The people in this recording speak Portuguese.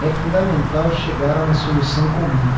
é fundamental chegar a uma solução comum